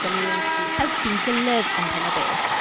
Dan ni yn gallu helpu'n gilydd yn hyn o beth.